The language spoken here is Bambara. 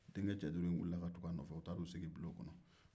denkɛ cɛduuru in wulila ka tugu a nɔ fɛ u taara u sigi bulon kɔnɔ